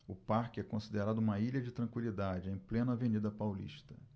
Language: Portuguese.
o parque é considerado uma ilha de tranquilidade em plena avenida paulista